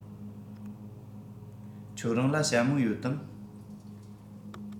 ཁྱོད རང ལ ཞྭ མོ ཡོད དམ